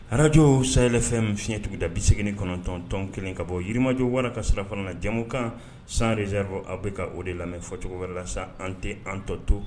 Arajo sayayɛlɛfɛn min fiɲɛɲɛtigi da bise kɔnɔntɔntɔn kelen ka bɔ yirimajɔo wara ka sirafana na jamu kan san ze aw bɛ ka o de lamɛn fɔ cogo wɛrɛ la sa an tɛ an tɔ to